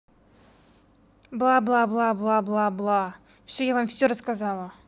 бла бла бла бла бла бла все я вам все рассказала